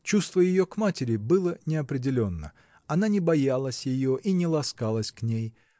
чувство ее к матери было неопределенно, -- она не боялась ее и не ласкалась к ней